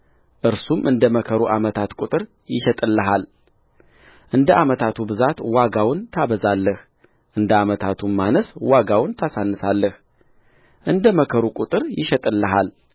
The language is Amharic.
እርሱም እንደ መከሩ ዓመታት ቍጥር ይሸጥልሃልእንደ ዓመታቱ ብዛት ዋጋውን ታበዛለህ እንደ ዓመታቱም ማነስ ዋጋውን ታሳንሳለህ እንደ መከሩ ቍጥር ይሸጥልሃል